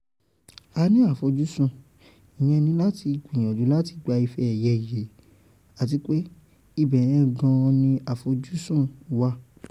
A ní àfojúsùn, ìyẹn ni láti gbìyànjú láti gba ife ẹ̀yẹ yìí, àtipé ibẹ̀yẹn gan an ní àfojúsùn wà’.